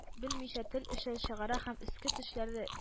Белмичә тел очы чыгара һәм өске тешләре